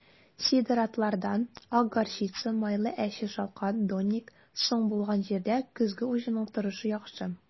Сидератлардан (ак горчица, майлы әче шалкан, донник) соң булган җирдә көзге уҗымның торышы яхшы.